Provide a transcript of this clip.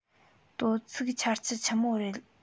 དོ ཚིགས ཆར ཆུ ཆི མོ རེད